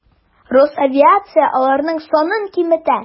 Росавиация аларның санын киметә.